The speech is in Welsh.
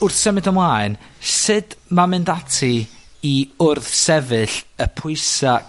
Wrth symud ymlaen, sud ma' mynd ati i wrth sefyll y pwysa